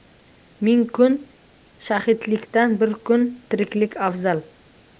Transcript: ming kun shahidlikdan bir kun tiriklik afzal